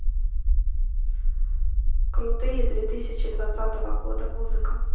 крутые две тысячи двадцатого года музыка